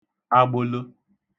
agbolo